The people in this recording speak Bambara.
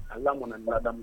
A lamana laadada